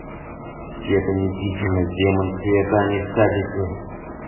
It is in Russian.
света никита демон света а не в садике